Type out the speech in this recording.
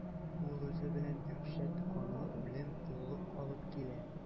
Ул үзе белән дәһшәт, канлы үлем, коллык алып килә.